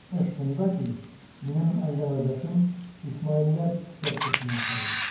Эш шунда ки, минем әңгәмәдәшем исмаилләр сектасына карый.